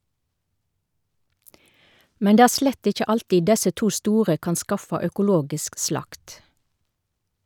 Men det er slett ikkje alltid desse to store kan skaffa økologisk slakt.